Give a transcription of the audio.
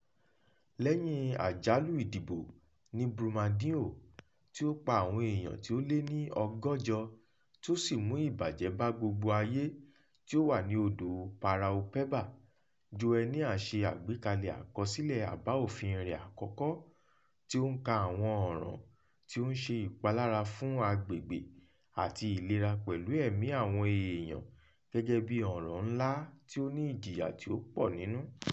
Lẹ́yìn àjálù ìdídò ní Brumadinho, tí ó pa àwọn èèyàn tí ó lé ní 160, tí ó sì mú ìbàjẹ́ bá gbogbo ayé tí ó wà ní odò Paraopeba, Joenia ṣe àgbékalẹ̀ àkọsílẹ̀ àbá òfin rẹ̀ àkọ́kọ́, tí ó ń ka àwọn ọ̀ràn tí ó ń ṣe ìpalára fún agbègbè àti ìlera pẹ̀lú ẹ̀mí àwọn èèyàn gẹ́gẹ́ bí "ọ̀ràn ńlá" tí ó ní ìjìyà tí ó pọ̀ nínú.